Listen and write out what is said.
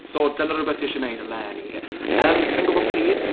So, dyna rywbeth fi eisiau wneud eleni. Yym, sa i'n gwbod pryd.